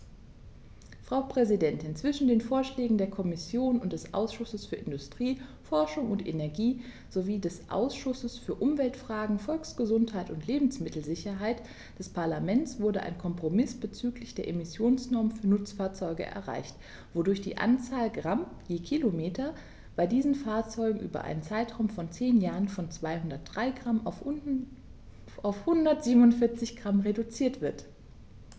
Frau Präsidentin, zwischen den Vorschlägen der Kommission und des Ausschusses für Industrie, Forschung und Energie sowie des Ausschusses für Umweltfragen, Volksgesundheit und Lebensmittelsicherheit des Parlaments wurde ein Kompromiss bezüglich der Emissionsnormen für Nutzfahrzeuge erreicht, wodurch die Anzahl Gramm je Kilometer bei diesen Fahrzeugen über einen Zeitraum von zehn Jahren von 203 g auf 147 g reduziert wird.